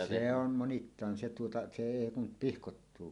se on monittain se tuota se ei kun pihkoittuu